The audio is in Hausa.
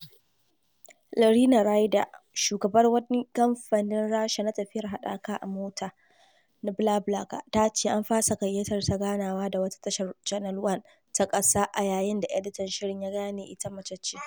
Irina Reyder, shugabar wani kamfanin Rasha na tafiyar haɗaka a mota na BlaBlaCar, ta ce an fasa gayyatar ta ganawa da wata tashar Channel One ta ƙasa a yayin da editan shirin ya gane ita mace ce.